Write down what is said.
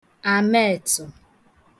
àmeètụ̀